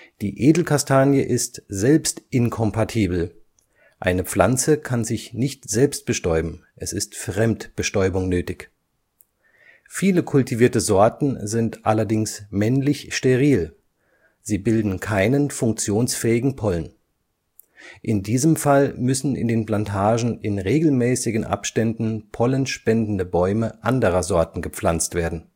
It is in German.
Die Edelkastanie ist selbstinkompatibel, eine Pflanze kann sich nicht selbst bestäuben, es ist Fremdbestäubung nötig. Viele kultivierte Sorten sind allerdings männlich-steril, sie bilden keinen funktionsfähigen Pollen. In diesem Fall müssen in den Plantagen in regelmäßigen Abständen pollenspendende Bäume anderer Sorten gepflanzt werden